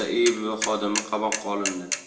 iib xodimi qamoqqa olindi